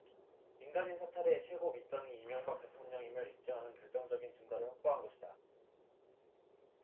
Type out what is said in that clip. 민간인 사찰의 최고 윗선이 이명박 대통령임을 입증하는 결정적인 증거를 확보한 것이다